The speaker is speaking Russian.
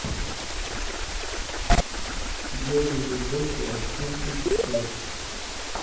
белый или желтый айфон икс эр